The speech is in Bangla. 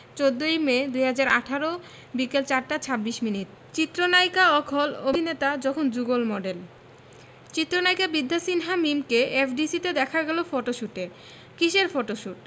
১৪ ই মে ২০১৮ বিকেল ৪টা ২৬ মিনিট চিত্রনায়িকা ও খল অভিনেতা যখন যুগল মডেল চিত্রনায়িকা বিদ্যা সিনহা মিমকে এফডিসিতে দেখা গেল ফটোশুটে কিসের ফটোশুট